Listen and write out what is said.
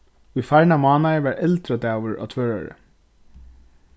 í farna mánaði var eldradagur á tvøroyri